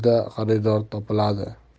yerda xaridor topiladi